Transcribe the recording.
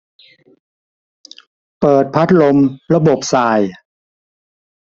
เปิดพัดลมระบบส่าย